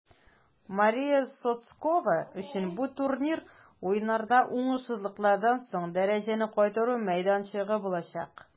Мария Сотскова өчен бу турнир Уеннарда уңышсызлыклардан соң дәрәҗәне кайтару мәйданчыгы булачак.